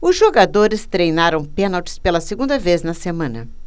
os jogadores treinaram pênaltis pela segunda vez na semana